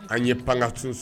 An ye panga tun